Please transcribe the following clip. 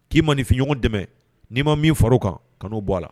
K'i man ninfinɲɔgɔn dɛmɛ n'i ma min fara kan ka' u bɔ a la